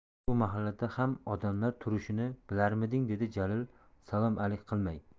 bu mahallada ham odamlar turishini bilarmiding dedi jalil salom alik qilmay